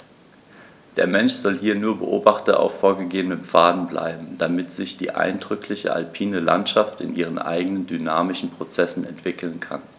Der Mensch soll hier nur Beobachter auf vorgegebenen Pfaden bleiben, damit sich die eindrückliche alpine Landschaft in ihren eigenen dynamischen Prozessen entwickeln kann.